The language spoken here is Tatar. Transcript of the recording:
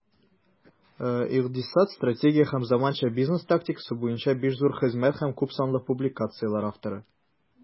Икътисад, стратегия һәм заманча бизнес тактикасы буенча 5 зур хезмәт һәм күпсанлы публикацияләр авторы.